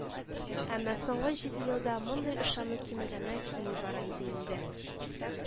Әмма соңгы җиде елда мондый ышану кимегәннән-кими бара иде инде